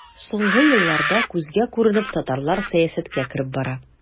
Соңгы елларда күзгә күренеп татарлар сәясәткә кереп бара.